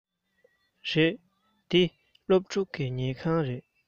རེད འདི སློབ ཕྲུག གི ཉལ ཁང རེད